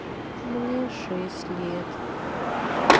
мне шесть лет